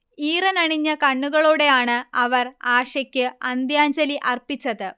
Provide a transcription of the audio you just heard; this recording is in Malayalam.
ഈറനണിഞ്ഞ കണ്ണുകളോടെയാണ് അവർ ആഷയ്ക്ക് അന്ത്യാജ്ഞലി അർപ്പിച്ചത്